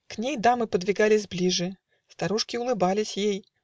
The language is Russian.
) К ней дамы подвигались ближе Старушки улыбались ей